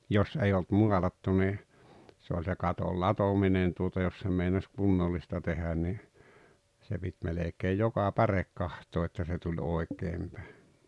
jos ei ollut maalattu niin se oli se katon latominen tuota jos sen meinasi kunnollista tehdä niin se piti melkein joka päre katsoa että se tuli oikein päin